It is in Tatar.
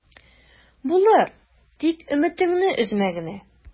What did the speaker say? Булыр, тик өметеңне өзмә генә...